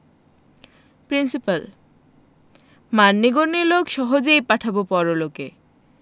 principal মান্যিগন্যি লোক সহজেই পাঠাবো পরলোকে